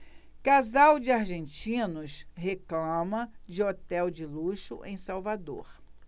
casal de argentinos reclama de hotel de luxo em salvador